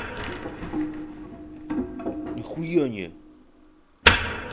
нихуя не